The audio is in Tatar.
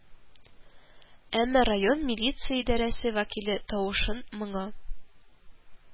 Әмма район милиция идарәсе вәкиле, тавышын моңа